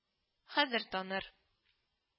Хәзер таныр